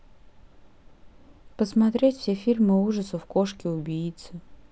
посмотреть все фильмы ужасов кошки убийцы